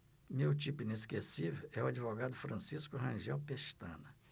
meu tipo inesquecível é o advogado francisco rangel pestana